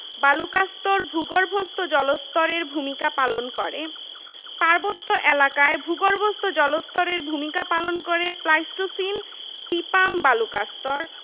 ২টি সরকারি ও ৩৯টি বেসরকারি বীমা কোম্পানি প্রায় ১০টি ইজারা অর্থসংস্থান প্রতিষ্ঠান লিজিং কোম্পানিস ডাকঘর সঞ্চয়ী ব্যাংক